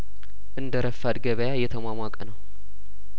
እንደ ረፋድ ገበያየተሟሟቀ ነው